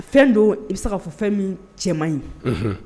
Fɛn don i bi se ka fɔ fɛn min cɛ man ɲi. Unhun